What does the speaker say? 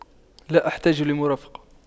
لا احتاج لمرافق